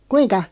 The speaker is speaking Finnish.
kuinka